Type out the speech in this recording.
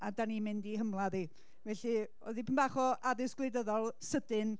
A dan ni'n mynd i ei hymladd hi. Felly, oedd hi ddipyn bach o addysg gwleidyddol sydyn,